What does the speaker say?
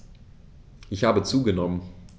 Ich habe zugenommen.